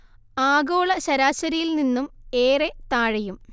ആഗോള ശരാശരിയിൽ നിന്നും ഏറെ താഴെയും